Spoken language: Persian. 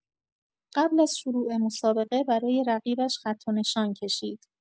قبل از شروع مسابقه برای رقیبش خط و نشان کشید.